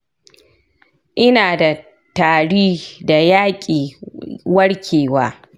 ina da tari da yaƙi warkewa.